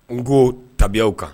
N ko tabiw kan